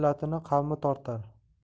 o'ynar illatini qavmi tortar